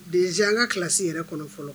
Den an ka kilasi yɛrɛ kɔnɔ fɔlɔ